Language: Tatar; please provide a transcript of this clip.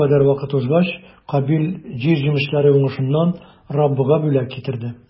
Берникадәр вакыт узгач, Кабил җир җимешләре уңышыннан Раббыга бүләк китерде.